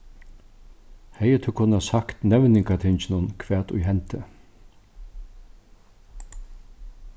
hevði tú kunnað sagt nevningatinginum hvat ið hendi